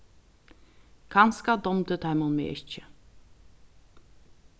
kanska dámdi teimum meg ikki